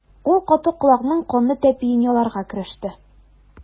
Ул каты колакның канлы тәпиен яларга кереште.